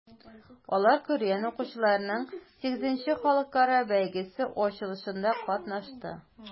Алар Коръән укучыларның VIII халыкара бәйгесе ачылышында катнашты.